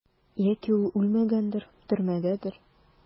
Яки ул үлмәгәндер, төрмәдәдер?